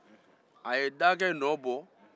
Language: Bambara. a ye daagɛ nɔ bɔ